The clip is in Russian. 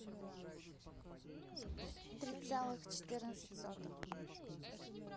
три целых четырнадцать сотых